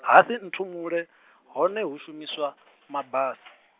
Hasinthumule, hone hu shumiswa, mabasi.